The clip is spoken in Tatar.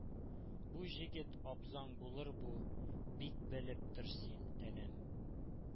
Бу Җегет абзаң булыр бу, бик белеп тор син, энем!